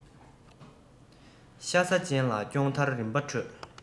ཤ ཚ ཅན ལ སྐྱོང མཐར རིམ པར སྤྲོད